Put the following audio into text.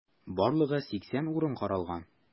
Барлыгы 80 урын каралган.